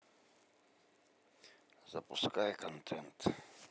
запускай контент